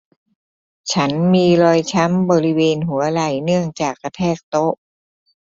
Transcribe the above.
ฉันมีรอยช้ำบริเวณหัวไหล่เนื่องจากกระแทกโต๊ะ